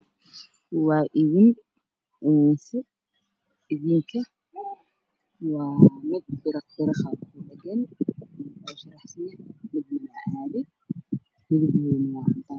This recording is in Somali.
Waa dabqaad ka midabkiisa iyo caddaan waxaa kaloo ii muuqda kuwo hoose oo saaran iska faallo